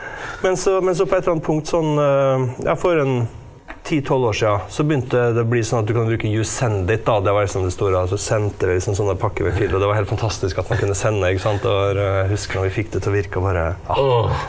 men så men så på et eller annet punkt sånn ja for en ti tolv år sia så begynte det å bli sånn at du kan bruke YouSendIt da, og det var liksom det store altså sendte vi som sånne pakker med filer, og det var helt fantastisk at man kunne sende ikke sant det var husker når vi fikk det til å virke og bare å.